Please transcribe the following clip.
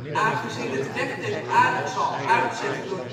Aangezien het wegdek aardig zal uitzetten door